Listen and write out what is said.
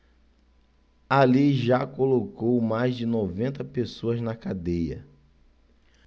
a lei já colocou mais de noventa pessoas na cadeia